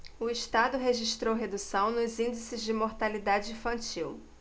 o estado registrou redução nos índices de mortalidade infantil